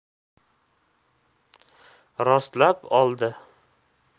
rostlab oldi